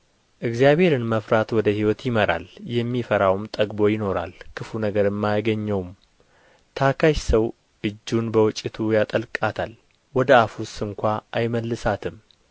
እግዚአብሔርን መፍራት ወደ ሕይወት ይመራል የሚፈራውም ጠግቦ ይኖራል ክፉ ነገርም አያገኘውም ታካች ሰው እጁን በወጭቱ ያጠልቃታል ወደ አፉ ስንኳ አይመልሳትም